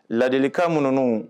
Ladilikan mun